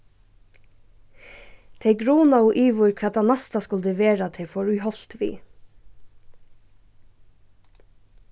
tey grunaðu yvir hvat tað næsta skuldi vera tey fóru í holt við